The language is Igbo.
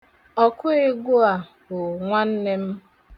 Ọkụegwu a bụ nwanne m.